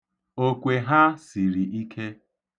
Okwe ha siri ike.